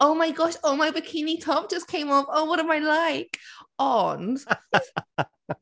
Oh, my gosh. Oh, my bikini top just came off. Oh, what am I like? Ond...